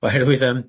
oherwydd yym